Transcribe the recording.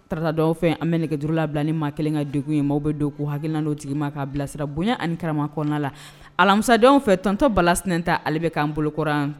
Tarata dɔw fɛ an bɛ nɛgɛge duru labila ni maa kelen ka dege ye maaw bɛ don k' hal don tigi ma k'a bilasira bonya ani karama kɔnɔna la alamisa dɔw fɛ tɔntɔn balas ta ale bɛ k' anan bolokɔrɔ